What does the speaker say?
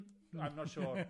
I'm not sure.